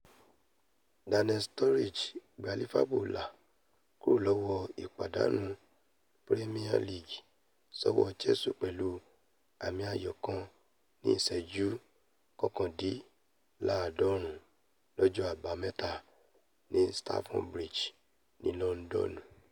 Daniel Sturridge gba Liverpool là kúrò lọ́wọ́ ìpàdánù Pírẹ́míà Líìgì sọ́wọ́ Chelsea pẹ̀lú àmì ayò kan ní ìṣẹ́jú kọkàndínláàádọ́rún lọ́jọ́ Àbámẹ́ta ní Stamford Bridge ní Lọndọnu.